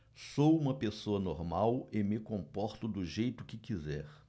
sou homossexual e me comporto do jeito que quiser